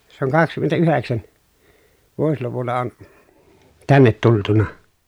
se on kaksikymmentäyhdeksän vuosiluvulla on tänne tultu